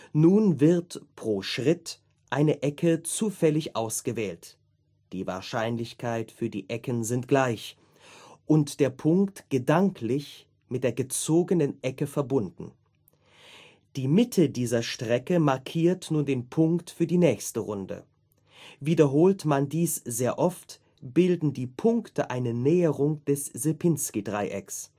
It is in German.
Nun wird pro Schritt eine Ecke zufällig ausgewählt (die Wahrscheinlichkeit für die Ecken sind gleich) und der Punkt gedanklich mit der gezogenen Ecke verbunden. Die Mitte dieser Strecke markiert nun den Punkt für die nächste Runde. Wiederholt man dies sehr oft, bilden die Punkte eine Näherung des Sierpinski-Dreiecks